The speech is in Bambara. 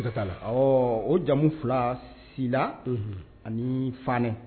O jamu fila si ani fanɛ